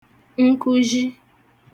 nkụzhi